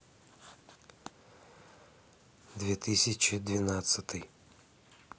две тысячи двенадцатый